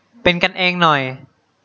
เป็นกันเองหน่อย